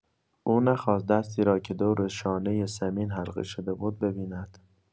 او نخواست دستی را که دور شانۀ ثمین حلقه شده بود، ببیند.